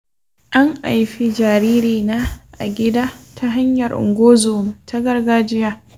an haifi jaririna a gida ta hanyar ungozoma ta gargajiya.